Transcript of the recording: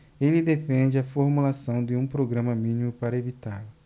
ele defende a formulação de um programa mínimo para evitá-la